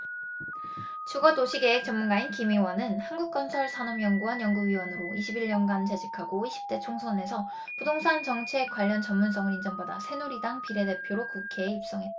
주거 도시계획 전문가인 김 의원은 한국건설산업연구원 연구위원으로 이십 일 년간 재직하고 이십 대 총선에서 부동산 정책 관련 전문성을 인정받아 새누리당 비례대표로 국회에 입성했다